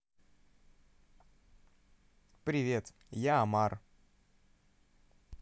привет я омар